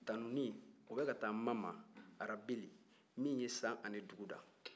tanuni o bɛ ka taa ala ma rabil min ye san ani dugu da